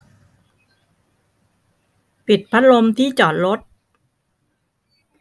ปิดพัดลมที่จอดรถ